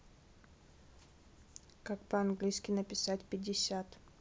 как по английски написать пятьдесят